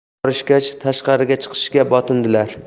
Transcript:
kun yorishgach tashqariga chiqishga botindilar